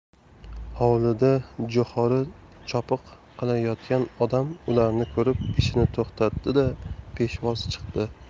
hovlida jo'xori chopiq qilayotgan odam ularni ko'rib ishini to'xtatdi da peshvoz chiqdi